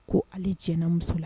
Ko ale jɛnna muso la